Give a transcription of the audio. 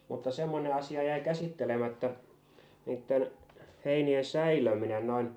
mutta semmoinen asia jäi käsittelemättä niiden heinien säilöminen noin